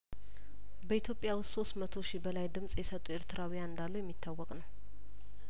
በኢትዮጵያ ውስጥ ሶስት መቶ ሺ በላይ ድምጽ የሰጡ ኤርትራውያን እንዳሉ የሚታወቅ ነው